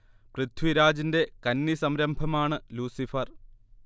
പൃഥ്വിരാജിന്റെ കന്നി സംരംഭമാണ് ലൂസിഫർ